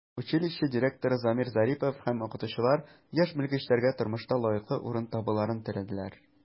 Училище директоры Замир Зарипов һәм укытучылар яшь белгечләргә тормышта лаеклы урын табуларын теләделәр.